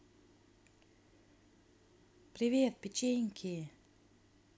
привет печеньки